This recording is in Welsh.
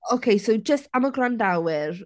Ocê, so jyst am y gwrandawyr...